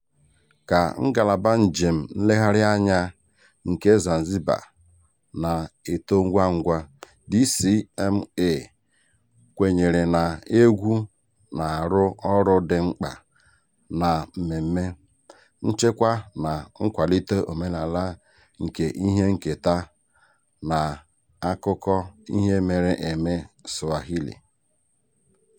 Ka ngalaba njem nlegharị anya nke Zanzibar na-eto ngwa ngwa, DCMA kwenyere na egwu na-arụ ọrụ dị mkpa na mmemme, nchekwa na nkwalite omenaala nke ihe nketa na akụkọ ihe mere eme Swahili.